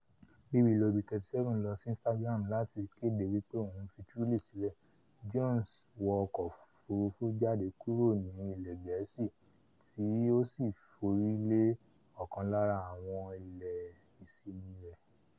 Bí Willoughby, 37, lọsí Instagram láti kéde wípé òun ńfi Truly sílẹ̀, Jones wọ ọkọ òfurufú jáde kúrò ní ilẹ̀ gẹ̀ẹ́sì ti ósì forílẹ ọ̀kan lára àwọn ilé ìsinmi rẹ̀